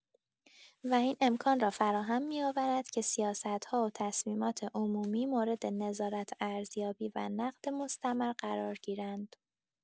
و این امکان را فراهم می‌آورد که سیاست‌ها و تصمیمات عمومی مورد نظارت، ارزیابی و نقد مستمر قرار گیرند.